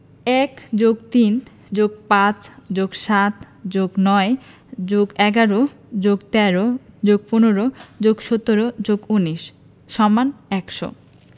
১+৩+৫+৭+৯+১১+১৩+১৫+১৭+১৯=১০০